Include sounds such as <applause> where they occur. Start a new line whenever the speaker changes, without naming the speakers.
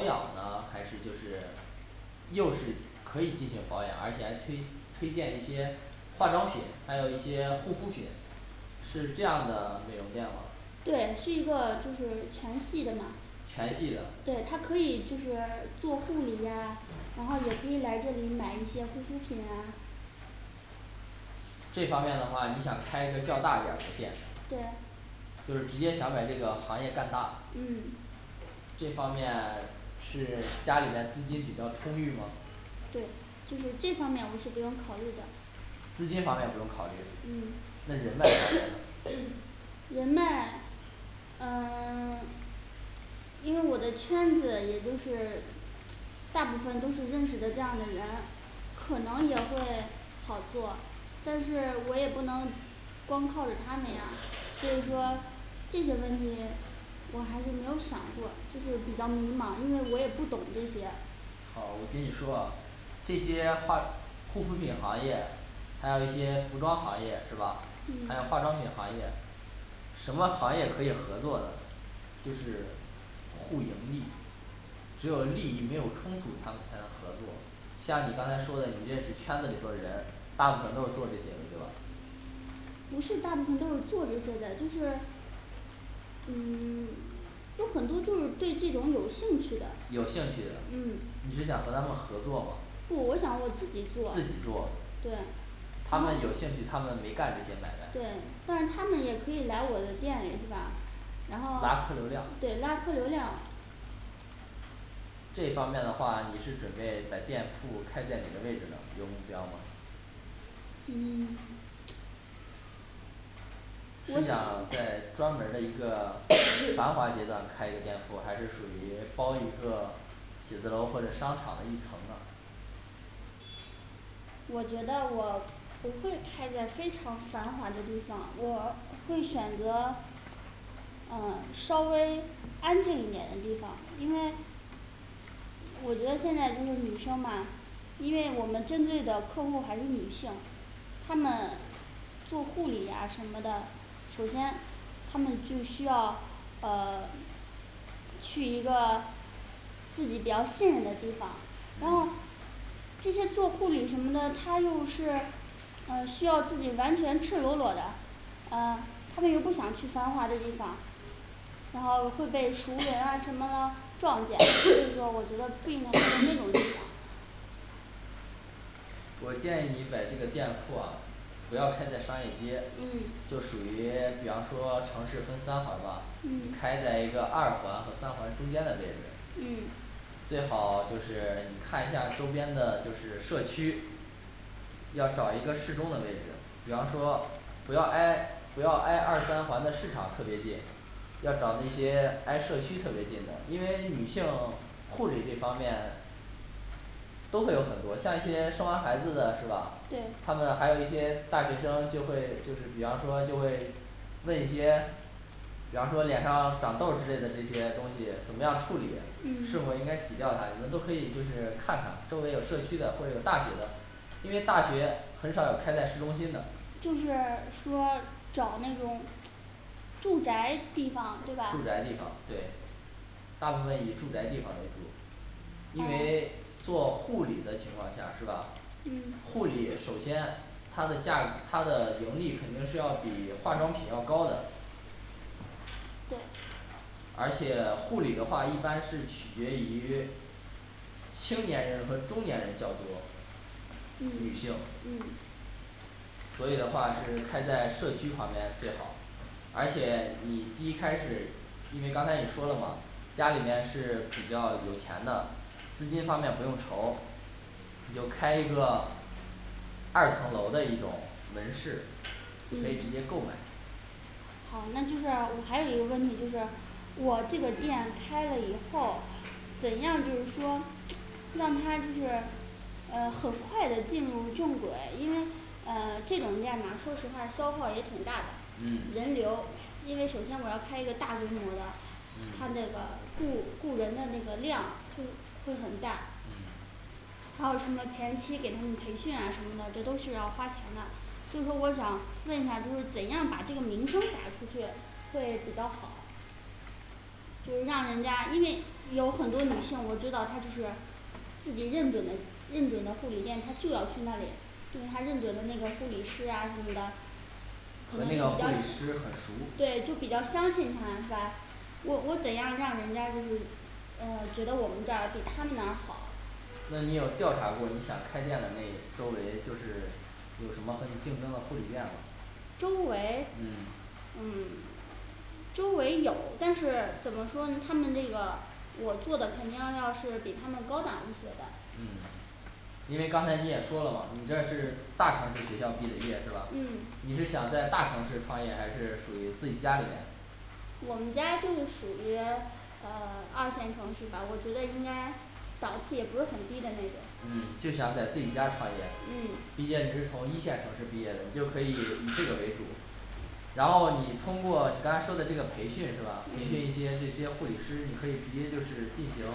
养呢还是就是又是可以进行保养，而且还推推荐一些化妆品，还有一些护肤品。是这样的美容店吗
对，是一个就是全系的嘛
全系的，
对他可以就是做护理呀，然后也可以来这里买一些护肤品啊。
这方面的话你想开一个较大点儿的店
对
就是直接想把这个行业干大。
嗯
这方面是家里面资金比较充裕吗？
对，就是这方面我是不用考虑的
资金方面不用考
嗯
虑那人脉方
<hesitation>
面
人脉嗯 <silence> 因为我的圈子也就是大部分都是认识的这样的人可能也会好做，但是我也不能光靠着他们呀。所以
嗯
说这些问题我还是没有想过就是比较迷茫，因为我也不懂这些。
好，我听你说啊这些话护肤品行业还有一些服装行业是吧
嗯？
还有化妆品行业什么行业可以合作的？就是互盈利只有利益没有冲突，他们才能合作像你刚才说的，你认识圈子里的人大部分都是做这些工作
不是大部分都是做这些的就是嗯 <silence> 就很多就是对这种有兴趣的，
有兴趣的
嗯
你是想和他们合作吗
不我想我？
自
自
己
己
做
做。对。
他们有兴趣，他们没干这些买卖。
对但是他们也可以来我的店里是吧？然后
拉客流量
对拉客流量
这一方面的话，你是准备把店铺开在哪个位置呢有目标吗？
嗯嗯
你
我
是
想
想在专门儿的一个
嗯
繁华阶段开一个店铺，还是属于包一个写字楼或者商场的一层呢
我觉得我不会开在非常繁华的地方，我会选择 <silence> 嗯稍微安静一点的地方，因为我觉得现在就是女生嘛，因为我们针对的客户还是女性她们做护理啊什么的。首先她们就需要呃去一个 <silence> 自己比较信任的地方。然
嗯
后这些做护理什么的，他又是呃需要自己完全赤裸裸的，嗯她们又不想去繁华的地方，然后会被熟人啊什么的撞见，所以说我觉得不应该是那种地方。
<hesitation>
我建议你把这个店铺啊不要开在商业街
嗯，
就属于比方说城市分三环嘛
嗯，
开在一个二环和三环中间的位置
嗯，
最好就是你看一下儿周边的就是社区，要找一个适中的位置，比方说不要挨不要挨二三环的市场特别近，要找那些挨社区特别近的，因为女性护理这方面都会有很多像一些生完孩子的是吧
对？
他们还有一些大学生，就会就是比方说就会问一些比方说脸上长痘之类的这些东西怎么样处理，是否
嗯
应该挤掉它，你们都可以就是看看周围有社区的或者有大学的因为大学很少有开在市中心的，
就是说找那种住宅地方对吧？
住宅地方对大部分以住宅地方为主因为
啊
做护理的情况下是吧
嗯？
护理首先它的价，它的盈利肯定是要比化妆品要高的，
对
而且护理的话一般是取决于青年人和中年人较多
嗯
女性
嗯
所以的话是开在社区旁边最好。而且你一开始因为刚才你说了嘛，家里面是比较有钱的，资金方面不用愁，你就开一个二层楼的一种门市，你
嗯
可以直接购买。
好，那就是我还有一个问题就是我这个店开了以后，怎样就是说让他就是呃很快的进入正轨，因为嗯这种店嘛说实话消耗也挺大的
嗯。
人流因为首先我要开一个大规模的他
嗯
那个雇雇人的那个量会会很大
嗯
还有什么前期给他们培训啊什么的，这都是要花钱的所以说我想问一下儿就是怎样把这个名声打出去会比较好就让人家因为有很多女性我知道她就是自己认准的认准的护理店，她就要去那里，因为她认准的那个护理师啊什么的，可
和
能
那
比
个
较
护理师很熟
对，就比较相信她是吧？我我怎样让人家就是嗯觉得我们这儿比他们那儿好
那你有调查过你想开店的那周围就是有什么和你竞争的护理店？
周围，
嗯
嗯周围有，但是怎么说，他们那个我做的肯定要是比他们高档一些的，
嗯因为刚才你也说了嘛，你这儿是大城市学校毕的业是吧
嗯？
你是想在大城市创业还是属于自己家里面？
我们家就属于呃二线城市吧，我觉得应该档次也不是很低的那种，
嗯
嗯
就想在自己家创业。毕竟你是从一线城市毕业的，就可以以这个为主，然后你通过你刚才说的这个培训是吧？培训一
嗯
些这些护理师，你可以直接就是进行